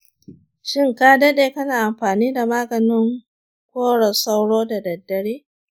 shin ka dade kana amfani da maganin kora sauro da daddare?